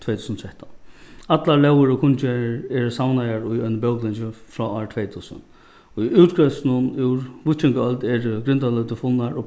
tvey túsund og trettan allar lógir og kunngerðir eru savnaðar í einum bóklingi frá ár tvey túsund í útgrevstrum úr víkingaøld eru grindaleivdir funnar og